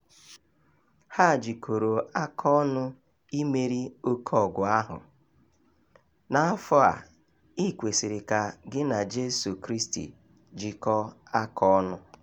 Ha jikọrọ aka ọnụ imeri oke ọgụ ahụ... n'afọ a i kwesịrị ka gị na Jesu Kristi jikọọ aka ọnụ